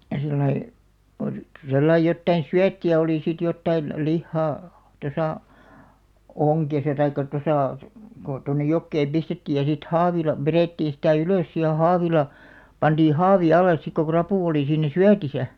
sillä lailla oli sellainen jotakin syöttiä oli sitten jotakin lihaa tuossa ongessa tai tuossa kun tuonne jokeen pistettiin ja sitten haavilla vedettiin sitä ylös sitten ja haavilla pantiin haavi alle sitten kun rapu oli siinä syötissä